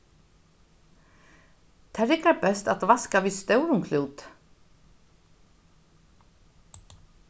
tað riggar best at vaska við stórum klúti